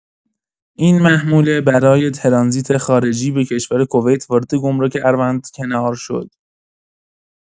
این محموله برای ترانزیت خارجی به کشور کویت وارد گمرک اروندکنار شد.